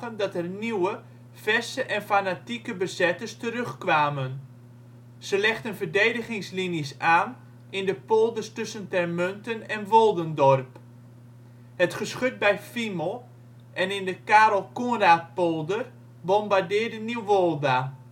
nieuwe, verse en fanatieke bezetters terugkwamen. Ze legden verdedigingslinies aan in de polders tussen Termunten en Woldendorp. Het geschut bij Fiemel en in de Carel Coenraadpolder bombardeerde Nieuwolda